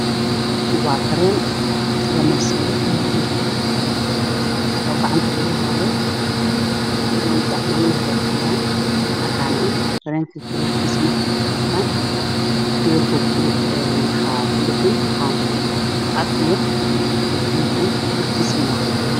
Tani waa gacan waxa ay heysaa kareen